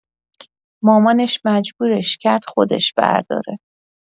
مامانش مجبورش کرد خودش برداره.